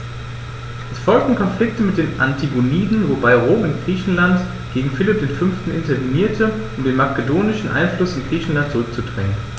Es folgten Konflikte mit den Antigoniden, wobei Rom in Griechenland gegen Philipp V. intervenierte, um den makedonischen Einfluss in Griechenland zurückzudrängen.